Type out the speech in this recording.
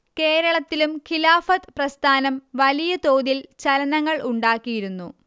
കേരളത്തിലും ഖിലാഫത്ത് പ്രസ്ഥാനം വലിയ തോതിൽ ചലനങ്ങൾ ഉണ്ടാക്കിയിരുന്നു